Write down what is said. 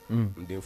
Un n den